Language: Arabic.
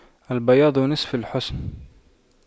البياض نصف الحسن